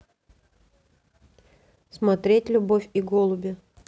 смотреть любовь и голуби